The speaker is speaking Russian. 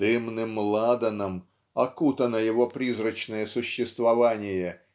"дымным ладаном" окутано его призрачное существование